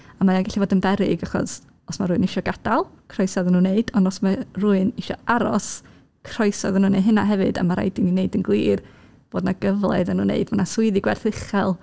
A mae o'n gallu bod yn beryg, achos os mae rhywun eisiau gadael, croeso iddyn nhw wneud, ond os mae rhywun isio aros, croeso iddyn nhw wneud hynna hefyd. A ma' rhaid i ni wneud yn glir bod 'na gyfle iddyn nhw wneud. Mae 'na swyddi gwerth uchel...